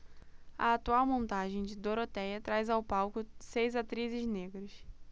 a atual montagem de dorotéia traz ao palco seis atrizes negras